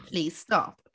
Please stop.